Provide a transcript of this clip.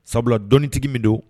Sabula dɔɔnintigi min don